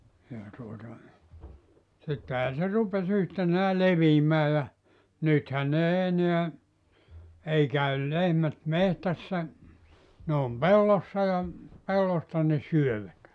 ja tuota sittenhän se rupesi yhtenään leviämään ja nythän ne ei enää ei käy lehmät metsässä ne on pellossa ja pellosta ne syövät